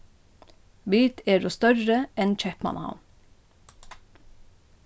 vit eru størri enn keypmannahavn